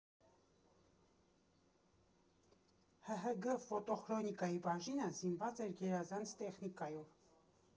ՀՀԳ ֆոտոխրոնիկայի բաժինը զինված էր գերազանց տեխնիկայով.